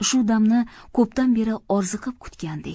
shu damni ko'pdan beri orziqib kutgandek